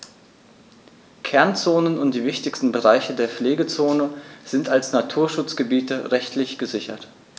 Kernzonen und die wichtigsten Bereiche der Pflegezone sind als Naturschutzgebiete rechtlich gesichert.